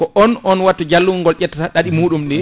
ko on on watta jalungol ƴettata ɗiɗi muɗum ni